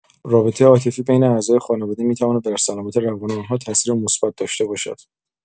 رابطه عاطفی بین اعضای خانواده می‌تواند بر سلامت روان آن‌ها تاثیر مثبت داشته باشد.